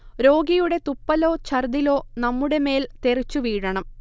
രോഗിയുടെ തുപ്പലോ ഛർദ്ദിലോ നമ്മുടെ മേൽ തെറിച്ചു വീഴണം